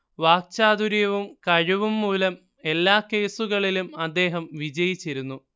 വാക്ചാതുര്യവും കഴിവും മൂലം എല്ലാ കേസുകളിലും അദ്ദേഹം വിജയിച്ചിരുന്നു